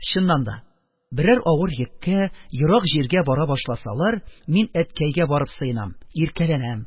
Чыннан да, берәр авыр йөккә, ерак җиргә җигә башласалар, мин әткәйгә барып сыенам, иркәләнәм,